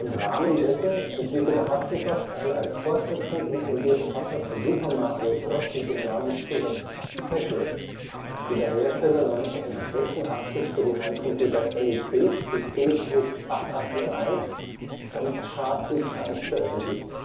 Rahmen dessen entwickelte Hudson Soft eine als Fortsetzung intendierte Fassung von Super Mario Bros. mit dem Namenszusatz Special, die der Hersteller 1986 für die Heimcomputer NEC PC-8801 und Sharp X1 veröffentlichte